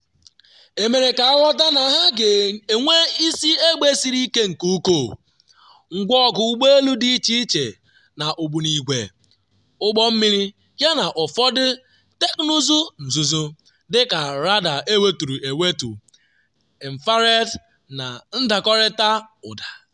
Emere ka aghọta na ha ga-enwe isi egbe siri ike nke ukwuu, ngwa ọgụ ụgbọ elu dị iche iche na ogbunigwe ụgbọ mmiri yana ụfọdụ teknụzụ nzuzo, dị ka radar eweturu ewetu, infrared na ndakọrịta ụda.